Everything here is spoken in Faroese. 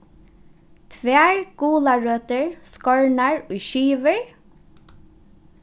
tvær gularøtur skornar í skivur